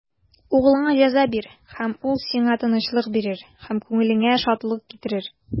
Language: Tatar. Углыңа җәза бир, һәм ул сиңа тынычлык бирер, һәм күңелеңә шатлык китерер.